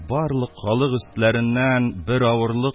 Барлык халык өстләреннән бер авырлык